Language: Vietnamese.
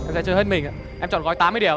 em sẽ chơi hết mình em chọn gói tám mươi điểm ạ